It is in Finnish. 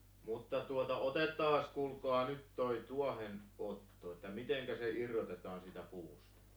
mutta tuota otetaan kuulkaa nyt tuo tuohen otto että miten se irrotetaan siitä puusta